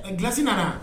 N kilasi nana